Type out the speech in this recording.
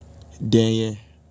denye